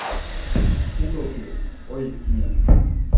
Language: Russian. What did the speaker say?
куколки ой нет